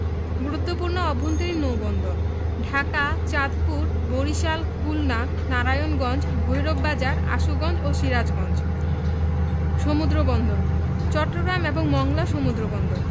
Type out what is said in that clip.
গুরুত্বপূর্ণ অভ্যন্তরীণ নৌবন্দরঃ ঢাকা চাঁদপুর বরিশাল খুলনা নারায়ণগঞ্জ ভৈরব বাজার আশুগঞ্জ সিরাজগঞ্জ সমুদ্রবন্দরঃ চট্টগ্রাম এবং মংলা সমুদ্রবন্দর